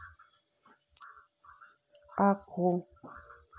а ку